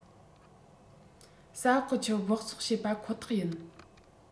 ས འོག གི ཆུ སྦགས བཙོག བྱེད པ ཁོ ཐག ཡིན